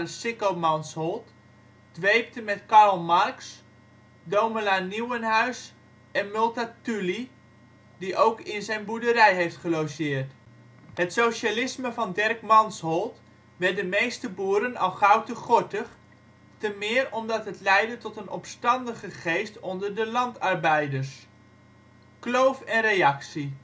Sicco Mansholt, dweepte met Karl Marx, Domela Nieuwenhuis en Multatuli (die ook in zijn boerderij heeft gelogeerd). Het socialisme van Derk Mansholt werd de meeste boeren al gauw te gortig, temeer omdat het leidde tot een opstandige geest onder de landarbeiders. Kloof en reactie